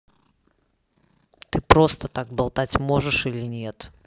ты просто так болтать можешь или нет